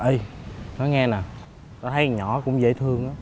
ây nói nghe nè tao thấy con nhỏ cũng dễ thương lắm